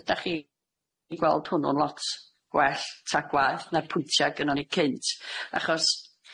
ydach chi'n gweld hwnnw'n lot gwell ta gwaeth na'r pwyntia' gynnon ni cynt achos